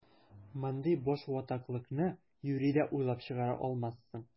Мондый башбаштаклыкны юри дә уйлап чыгара алмассың!